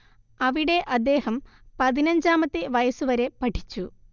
അവിടെ അദ്ദേഹം പതിനഞ്ചാമത്തെ വയസ്സുവരെ പഠിച്ചു